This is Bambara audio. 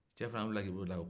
cɛ fana wilila k'i bolo d'a ko